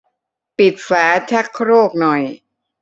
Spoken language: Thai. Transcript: ปิดฝาชักโครกหน่อย